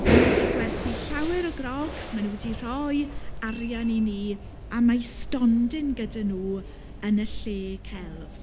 Maen nhw wedi gwerthu llawer o groggs, maen nhw wedi rhoi arian i ni a mae stondin gyda nhw yn y lle celf.